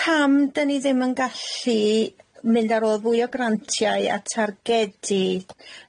Pam 'dan ni ddim yn gallu mynd ar ôl fwy o grantiau a targedi,